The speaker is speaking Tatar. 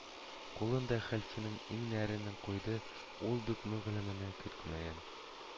Кулын да хәлфәнең иңнәренә куйды, ул бу мөгамәләне көтмәгән